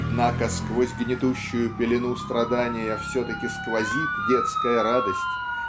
Однако сквозь гнетущую пелену страдания все-таки сквозит детская радость